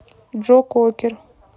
джо кокер